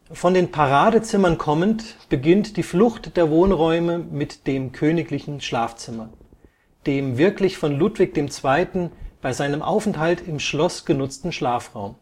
Von den Paradezimmern kommend, beginnt die Flucht der Wohnräume mit dem königlichen Schlafzimmer, dem wirklich von Ludwig II. bei seinem Aufenthalt im Schloss genutzten Schlafraum